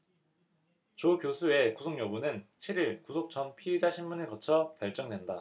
조 교수의 구속 여부는 칠 일 구속 전 피의자심문을 거쳐 결정된다